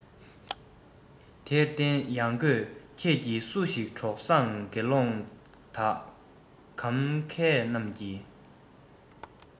དེར བརྟེན ཡང གོས ཁྱེད ཀྱི སུ ཞིག གྲོགས བཟང དགེ སློང དག གམ མཁས རྣམས ཀྱིས